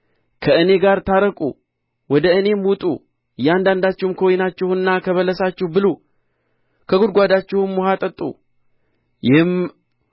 ከእኔ ጋር ታረቁ ወደ እኔም ውጡ እያንዳንዳችሁም ከወይናችሁና ከበለሳችሁ ብሉ ከጕድጓዳችሁም ውኃ ጠጡ ይህም